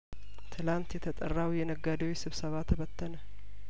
ትላንት የተጠራው የነጋዴዎች ስብሰባ ተበተነ